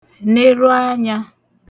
neru anyā